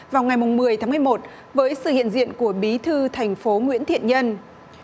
vào ngày mùng mười tháng mười một với sự hiện diện của bí thư thành phố nguyễn thiện nhân